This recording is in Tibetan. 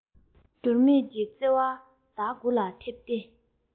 འགྱུར མེད ཀྱི བརྩེ བ ཟླ གུར ལ འཐིམས ཏེ